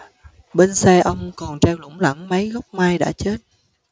bên xe ông còn treo lủng lẳng mấy gốc mai đã chết